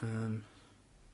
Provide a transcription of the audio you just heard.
Yym.